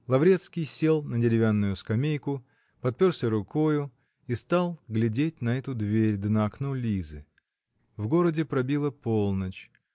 Лаврецкий сел на деревянную скамейку, подперся рукою и стал глядеть на эту дверь да на окно Лизы. В городе пробило полночь